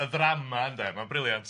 Y ddrama ynde, ma'n brilliant.